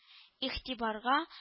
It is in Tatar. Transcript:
Игътибарга